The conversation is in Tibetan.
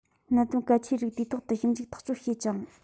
གནད དོན གལ ཆེའི རིགས དུས ཐོག ཏུ ཞིབ འཇུག ཐག གཅོད བྱེད ཅིང